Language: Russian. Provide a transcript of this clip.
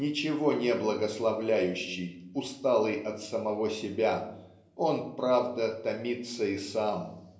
ничего не благословляющий усталый от самого себя он правда томится и сам